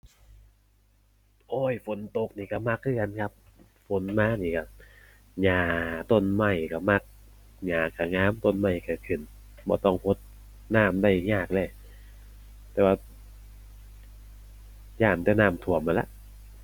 โอ้ย ฝนตกนี่ก็มักคือกันครับ ฝนมานี่ก็ หญ้า ต้นไม้ ก็มัก หญ้าก็งาม ต้นไม้ก็ขึ้น บ่ต้องก็น้ำได้ยากเลย แต่ว่าย้านแต่น้ำท่วมนั่นล่ะ